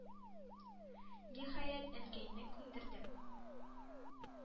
Ниһаять, Әнкәйне күндердем.